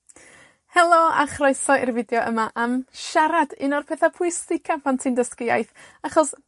Helo a chroeso i'r fideo yma am siarad, un o'r petha pwysica pan ti'n dysgu iaith, achos